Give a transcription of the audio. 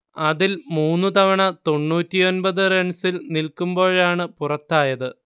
അതിൽ മൂന്ന് തവണ തൊണ്ണൂറ്റിയൊമ്പത് റൺസിൽ നിൽക്കുമ്പോഴാണ് പുറത്തായത്